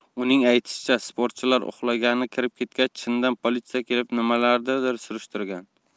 uning aytishicha sportchilar uxlagani kirib ketgach chindan politsiya kelib nimalarnidir surishtirgan